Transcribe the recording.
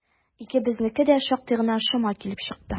Икебезнеке дә шактый гына шома килеп чыкты.